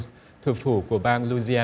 thủ phủ của bang lu di